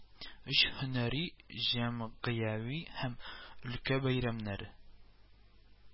Өч һөнәри, җәм гыяви һәм өлкә бәйрәмнәре